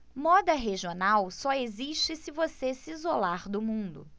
moda regional só existe se você se isolar do mundo